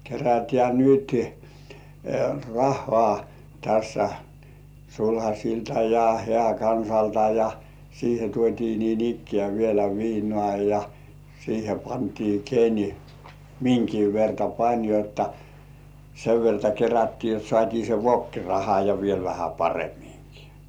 kerätään nyt rahaa tässä sulhasilta ja hääkansalta ja siihen tuotiin niin ikään vielä viinaa ja siihen pantiin ken minkäkin verran pani jotta sen verta kerättiin jotta saatiin se vokkiraha ja vielä vähän paremminkin